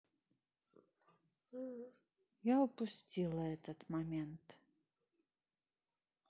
я упустила этот момент